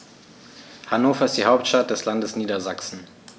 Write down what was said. Hannover ist die Hauptstadt des Landes Niedersachsen.